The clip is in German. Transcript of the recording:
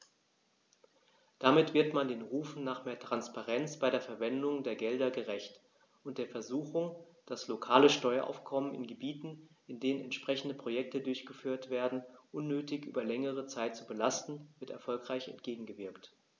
Damit wird man den Rufen nach mehr Transparenz bei der Verwendung der Gelder gerecht, und der Versuchung, das lokale Steueraufkommen in Gebieten, in denen entsprechende Projekte durchgeführt werden, unnötig über längere Zeit zu belasten, wird erfolgreich entgegengewirkt.